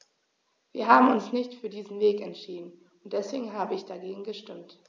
Wir haben uns nicht für diesen Weg entschieden, und deswegen habe ich dagegen gestimmt.